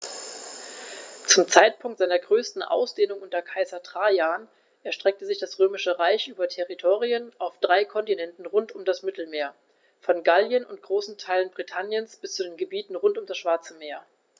Zum Zeitpunkt seiner größten Ausdehnung unter Kaiser Trajan erstreckte sich das Römische Reich über Territorien auf drei Kontinenten rund um das Mittelmeer: Von Gallien und großen Teilen Britanniens bis zu den Gebieten rund um das Schwarze Meer.